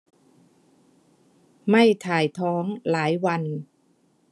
ไม่ถ่ายท้องหลายวัน